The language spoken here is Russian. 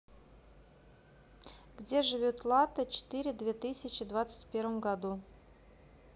где живет латте четыре две тысячи двадцать первом году